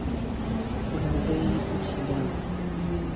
голубые ебуть себя